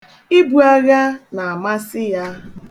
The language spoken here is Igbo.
Ibu agha na-amasị ya.